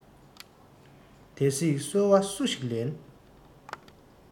དེ བསྲེགས སོལ བ སུ ཞིག ལེན